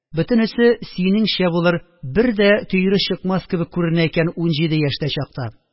Бөтенесе синеңчә булыр, бер дә төере чыкмас кебек күренә икән унҗиде яшьтә чакта